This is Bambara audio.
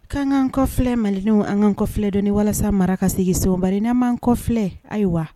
K'an k'an kɔfilɛ malidenw an k'an kɔfilɛ dɔɔnin walasa mara ka segin so bari n'a m'an kɔfilɛ, ayiwa